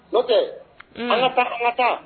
Nɔ tɛ ala taa ala taa